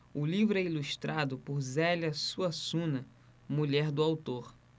o livro é ilustrado por zélia suassuna mulher do autor